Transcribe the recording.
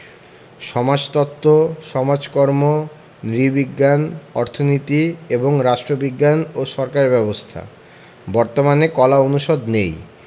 সমাজতত্ত্ব সমাজকর্ম নৃবিজ্ঞান অর্থনীতি এবং রাষ্ট্রবিজ্ঞান ও সরকার ব্যবস্থা বর্তমানে কলা অনুষদ নেই